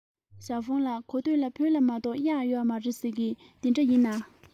ཞའོ ཧྥུང ལགས གོ ཐོས ལ བོད ལྗོངས མ གཏོགས གཡག ཡོད མ རེད ཟེར གྱིས དེ འདྲ ཡིན ན